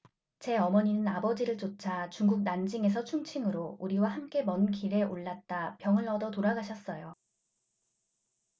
제 어머니는 아버지를 쫓아 중국 난징에서 충칭으로 우리와 함께 먼 길에 올랐다 병을 얻어 돌아가셨어요